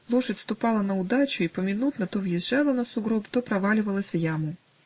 лошадь ступала наудачу и поминутно то взъезжала на сугроб, то проваливалась в яму